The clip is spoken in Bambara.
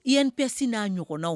I yan np sin n'a ɲɔgɔnnaw